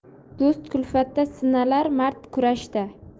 do'st kulfatda sinalar mard kurashda